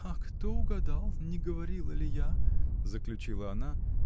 — А кто угадал: не говорила ли я? — заключила она.